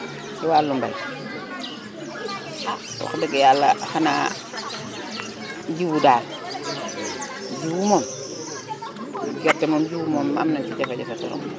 ci wàllum mbay ah wax dëgg yàlla xanaa jiwu daal jiwu moom gerte moom jiwu moom am nañu ci jafe-jafe trop